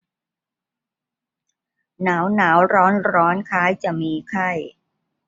หนาวหนาวร้อนร้อนคล้ายจะมีไข้